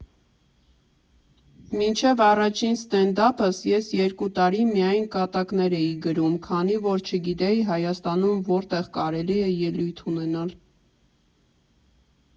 Մինչև առաջին ստենդափս ես երկու տարի միայն կատակներ էի գրում, քանի որ չգիտեի Հայաստանում որտեղ կարելի է ելույթ ունենալ։